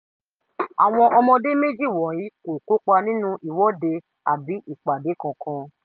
Àwọn ọmọdé méjì wọ̀nyìí kò kópa nínú ìwọ́de àbí ìpàdé kankan.